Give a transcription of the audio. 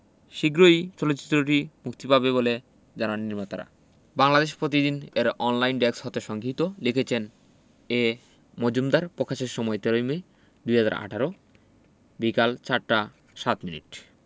শিগগিরই চলচ্চিত্রটি মুক্তি পাবে বলে জানান নির্মাতা বাংলাদেশ প্রতিদিন এর অনলাইন ডেক্স হতে সংগিহীত লিখেছেনঃ এ মজুমদার পকাশের সময় ১৩মে ২০১৮ বিকেল ৪ টা ০৭ মিনিট